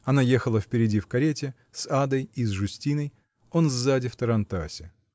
Она ехала впереди в карете, с Адой и с Жюстиной; он сзади -- в тарантасе.